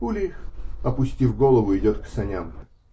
Ульрих, опустив голову, идет к саням.